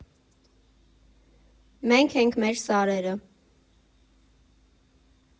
Մենք ենք մեր սարերը։